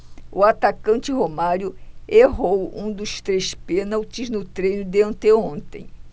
o atacante romário errou um dos três pênaltis no treino de anteontem